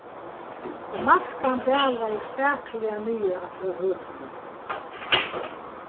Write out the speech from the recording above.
og maskan dalaði spakuliga niður aftur á høkuna